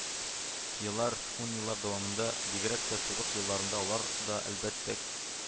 Еллар, ун еллар дәвамында, бигрәк тә сугыш елларында алар да, әлбәттә